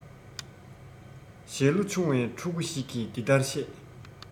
ཞེས ལོ ཆུང བའི ཕྲུ གུ ཞིག གི འདི ལྟར གཤས